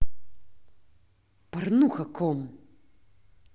порнуха ком